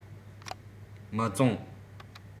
མི བཙོངས